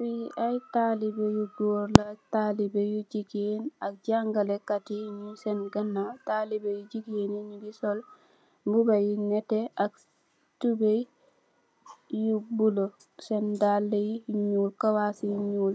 Ñii ayy talibeh yu gorr Len talibeh yu gigeen ak jangale katyi ñing sen ganaw talibeh yu gigeen Yi ñingi sol mbuba yu netteh ak tuboy yu bulo sen dalla yu ñul ak kawas yu ñul